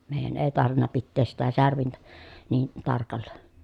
meidän ei tarvinnut pitää sitä särvintä niin tarkalla